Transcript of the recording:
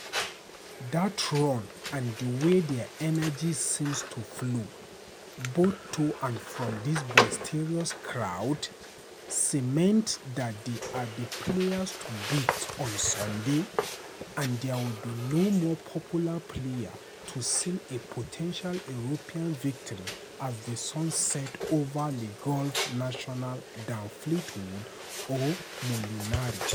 That run, and the way their energy seems to flow both to and from this boisterous crowd cements that they are the players to beat on Sunday, and there would be no more popular player to seal a potential European victory as the sun sets over Le Golf National than Fleetwood or Molinari.